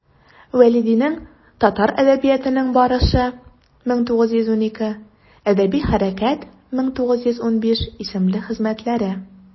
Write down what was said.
Вәлидинең «Татар әдәбиятының барышы» (1912), «Әдәби хәрәкәт» (1915) исемле хезмәтләре.